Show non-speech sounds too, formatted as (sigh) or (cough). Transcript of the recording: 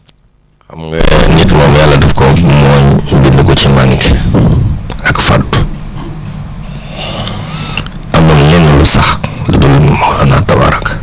(smacks lips) xam nga (noise) nit moom yàlla daf koo mooñ ci bind ko ci maanute ak faltu (noise) am na leneen (unintelligible) sax lu dul (unintelligible)